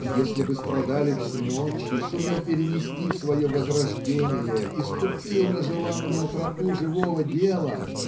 и если бы страдалец "Ночи" сумел перенести свое возрождение и ступил на желанную тропу живого дела